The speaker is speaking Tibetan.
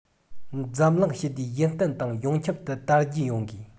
འཛམ གླིང ཞི བདེ ཡུན བརྟན དང ཡོངས ཁྱབ ཏུ དར རྒྱས ཡོང དགོས